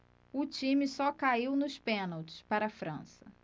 o time só caiu nos pênaltis para a frança